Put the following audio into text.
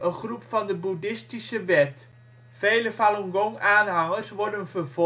groep van de boeddhistische wet "). Vele Falun Gong-aanhangers worden vervolgd, opgesloten